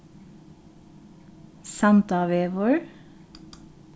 sandávegur